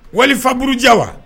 Wali fa buru diya wa